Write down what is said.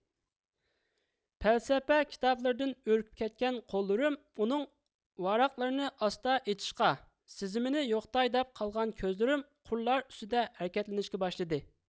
پەلسەپە كىتابلىرىدىن ئۈركۈپ كەتكەن قوللىرىم ئۇنىڭ ۋاراقلىرىنى ئاستا ئېچىشقا سېزىمىنى يوقىتاي دەپ قالغان كۆزلىرىم قۇرلار ئۈستىدە ھەرىكەتلىنىشكە باشلىدى